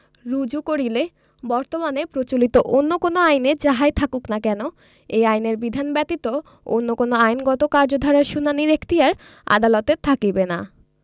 রুজু করিলে বর্তমানে প্রচলিত অন্য কোন আইনে যাহাই থাকুক না কেন এই আইনের বিধান ব্যতীত অন্য কোন আইনগত কার্যধারার শুনানীর এখতিয়ার আদালতের থাকিবে না